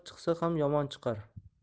chiqsa ham yomon chiqar